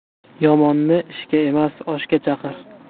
yomonni ishga emas oshga chaqir